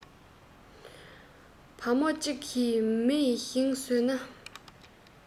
བ མོ གཅིག གིས མི ཡི ཞིང ཟོས ན